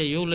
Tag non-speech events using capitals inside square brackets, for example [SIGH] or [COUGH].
[HESITATION] [HESITATION]